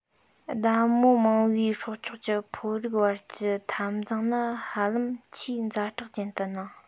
ཟླ མོ མང བའི སྲོག ཆགས ཀྱི ཕོ རིགས བར གྱི འཐབ འཛིང ནི ཧ ལམ ཆེས ཛ དྲག ཅན དུ སྣང